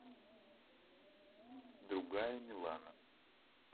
другая милана